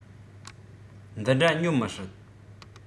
འདི འདྲ ཉོ མི སྲིད